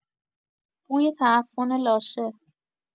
بوی تعفن لاشه